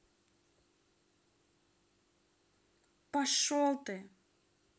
пошел ты